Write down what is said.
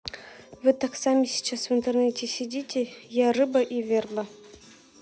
вы так сами сейчас в интернете сидите я рыба и верба